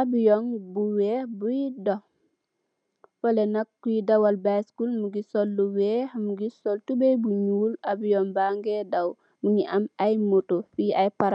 abiyon bu weex, buy dox, fale nak kuy dawal baysikul, minigi sol lu weex, mingi sol tubay lu nyuul, abiyon ba ge daw, mingi am ay moto, fi ay palansor.